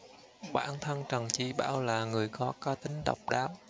bản thân trần chi bảo là người có cá tính độc đáo